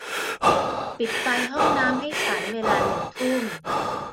ปิดไฟห้องน้ำให้ฉันเวลาหนึ่งทุ่ม